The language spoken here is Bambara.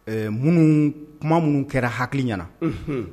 Ɛɛ minnu kuma minnu kɛra hakili ɲɛnaana